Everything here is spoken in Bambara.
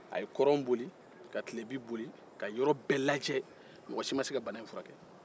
a ye kɔrɔn boli ka tilebin boli ka yɔrɔ bɛɛ lajɛ mɔgɔ si ma se ka bana in furakɛ